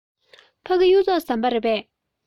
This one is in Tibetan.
ཕ གི གཡུ ཐོག ཟམ པ རེད པས